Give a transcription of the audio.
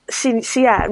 Sy'n, sy ie,